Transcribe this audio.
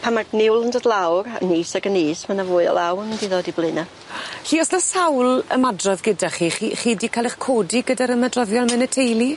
Pan ma' niwl yn dod lawr 'n is ag yn is ma' 'na fwy o law yn mynd i ddod i Blaena'. 'Lly os 'na sawl ymadrodd gyda chi chi chi 'di ca'l 'ych codi gyda'r ymadroddion yn y teulu?